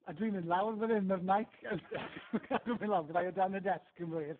A dwi'n mynd lawr fan hyn, ma'r meic yn cadw mynd lawr fyddai o dan y desg cyn bo' hir.